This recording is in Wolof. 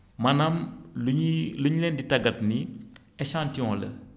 maanaam lu ñuy lu ñu leen di tàggat nii échantillon la